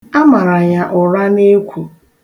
A mara ya ụra n'ekwo.